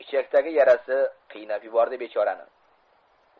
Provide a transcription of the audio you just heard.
ichakdagi yarasi qiynab yubordi bechorani